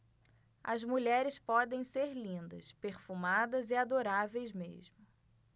as mulheres podem ser lindas perfumadas e adoráveis mesmo